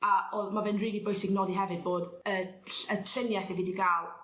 a odd ma' fe'n rili bwysig nodi hefyd bod y ll- y trinieth 'yf fi 'di ga'l